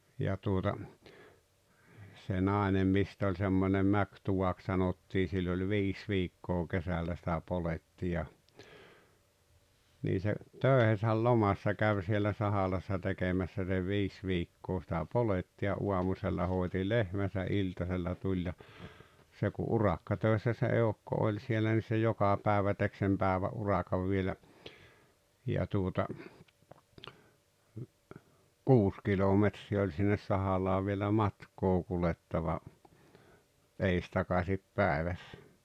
ja tuota se nainen mistä oli semmoinen mäkituvaksi sanottiin sillä oli viisi viikkoa kesällä sitä polettia niin se töidensä lomassa kävi siellä Sahalassa tekemässä sen viisi viikkoa sitä polettia aamusella hoiti lehmänsä iltasella tuli ja se kun urakkatöissä se eukko oli siellä niin se joka päivä teki sen päivä urakan vielä ja tuota kuusi kilometriä oli sinne Sahalaan vielä matkaa kuljettava edestakaisin päivässä